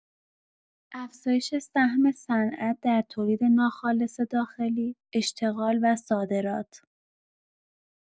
افزایش سهم صنعت در تولید ناخالص داخلی، اشتغال و صادرات